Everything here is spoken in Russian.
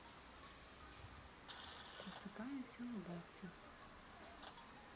просыпаясь улыбаться